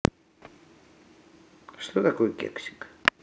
что такое кексик